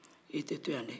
i tɛ to yan dɛ